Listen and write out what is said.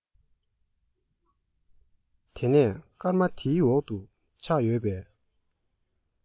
དེ ནས སྐར མ དེའི འོག ཏུ ཆགས ཡོད པའི